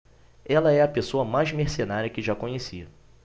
ela é a pessoa mais mercenária que já conheci